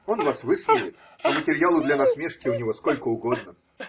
Он вас высмеет, а материалу для насмешки у него сколько угодно.